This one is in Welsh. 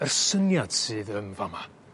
yr syniad sydd yn fa' 'ma.